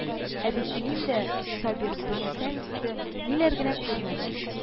Ә бит мин дә, Сабир, белсәң иде, ниләр генә күрмәдем